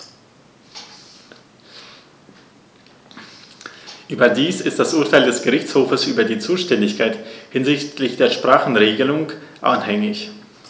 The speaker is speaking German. Überdies ist das Urteil des Gerichtshofes über die Zuständigkeit hinsichtlich der Sprachenregelung anhängig.